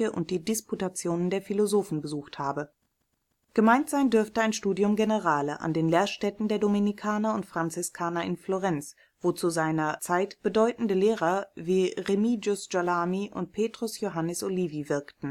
und die Disputationen der Philosophen “) besucht habe. Gemeint sein dürfte ein Studium generale an den Lehrstätten der Dominikaner und Franziskaner in Florenz, wo zu seiner Zeit bedeutende Lehrer wie Remigius Girolami und Petrus Johannis Olivi wirkten